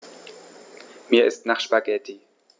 Mir ist nach Spaghetti.